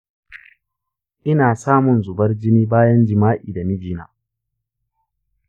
ina samun zubar jini bayan jima’i da mijina.